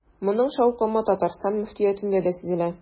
Моның шаукымы Татарстан мөфтиятендә дә сизелә.